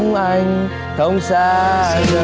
anh không xa